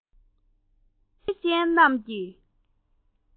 དགེ རྒན མིག ཤེལ ཅན རྣམས ཀྱིས